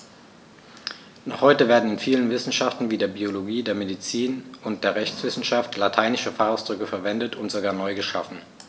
Noch heute werden in vielen Wissenschaften wie der Biologie, der Medizin und der Rechtswissenschaft lateinische Fachausdrücke verwendet und sogar neu geschaffen.